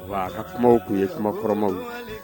Wa Ka kumaw kun ye kuma kɔrɔmaw.